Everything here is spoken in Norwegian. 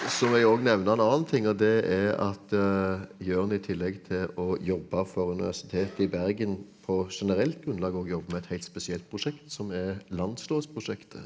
og så vil jeg òg nevne en annen ting og det er at Jørn i tillegg til å jobbe for Universitetet i Bergen på generelt grunnlag òg jobber med et heilt spesielt prosjekt som er land Landslovsprosjektet,